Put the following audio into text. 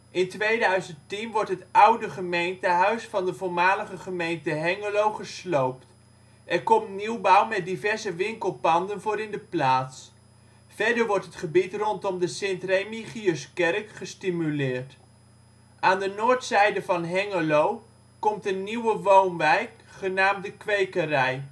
2010 wordt het oude gemeentehuis van de voormalige gemeente Hengelo gesloopt. Er komt nieuwbouw met diverse winkelpanden voor in de plaats. Verder wordt het gebied rondom de Sint Remigiuskerk gestimuleerd. Aan de Noordzijde van Hengelo komt een nieuwe woonwijk, genaamd de Kwekerij